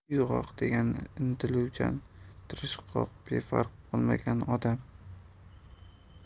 uyg'oq degani intiluvchan tirishqoq befarq bo'lmagan odam